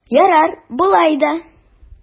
Ярар болай да!